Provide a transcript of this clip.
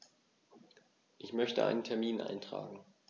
Ich möchte einen Termin eintragen.